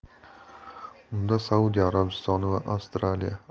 unda saudiya arabistoni va avstraliya olimpiya